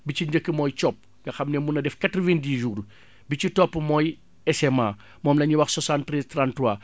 bi ci njëkk mooy cob nga xam ne mën na def 90 jours bi ci topp mooy SMA moom la ñuy wax soixante treize trante trois